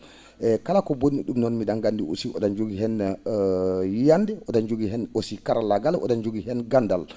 e kala ko bonni ?um noon mi?en nganndi aussi o?on jogii heen yiyande o?on jogii heen aussi karallaagal o?on jogii heen ganndal